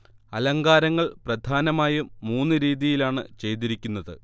അലങ്കാരങ്ങൾ പ്രധാനമായും മൂന്നു രീതിയിലാണ് ചെയ്തിരിക്കുന്നത്